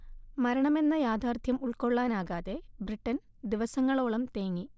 മരണമെന്ന യാഥാർഥ്യം ഉൾക്കൊള്ളാനാകാതെ, ബ്രിട്ടൻ ദിവസങ്ങളോളം തേങ്ങി